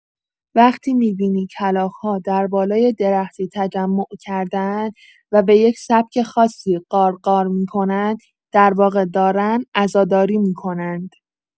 وقتی می‌بینی کلاغ‌ها در بالای درختی تجمع کرده‌اند و به یک سبک خاصی غارغار می‌کنند، در واقع دارند عزاداری می‌کنند.